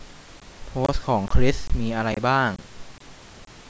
โพสต์ของคริสมีอะไรบ้าง